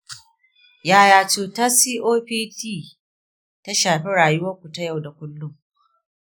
yaya cutar copd ta shafi rayuwar ku ta yau da kullum?